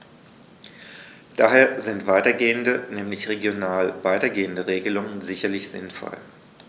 Daher sind weitergehende, nämlich regional weitergehende Regelungen sicherlich sinnvoll.